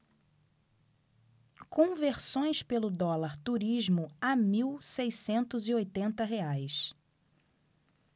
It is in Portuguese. conversões pelo dólar turismo a mil seiscentos e oitenta reais